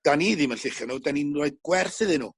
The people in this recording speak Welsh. ...dan ni ddim yn lluchio n'w 'dan ni'n roid gwerth iddyn n'w.